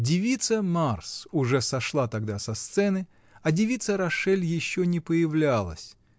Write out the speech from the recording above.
Девица Марс уже сошла тогда со сцены, а девица Рашель еще не появлялась